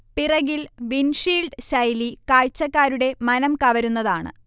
പിറകിൽ windshield ശൈലി കാഴ്ച്ചക്കാരുടെ മനംകവരുന്നതാണ്